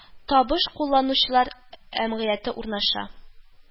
Табыш кулланучылар әмгыяте урнаша